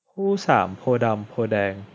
คู่สามโพธิ์ดำโพธิ์แดง